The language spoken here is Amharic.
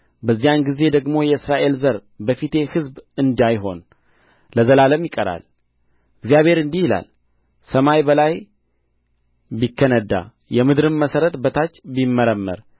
በዚያን ጊዜ ደግሞ የእስራኤል ዘር በፊቴ ሕዝብ እንዳይሆን ለዘላለም ይቀራል እግዚአብሔር እንዲህ ይላል ሰማይ በላይ ቢከነዳ የምድርም መሠረት በታች ቢመረመር